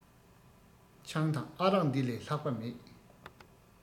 ཆང དང ཨ རག འདི ལས ལྷག པ མེད